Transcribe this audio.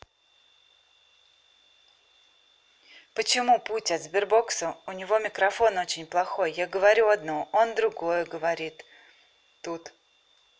почему путь от сбербокса у него микрофон очень плохой я говорю одно он другое говорит тут